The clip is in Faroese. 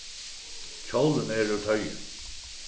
kjólin er úr toyi